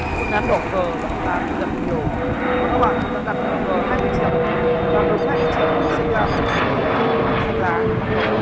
phương án đỏ cờ là phương án tôi đặt nhiều và các bạn cũng đã đặt đỏ cờ hai mươi triệu vàng đồng hai mươi triệu và xanh lam mười triệu xanh lá là không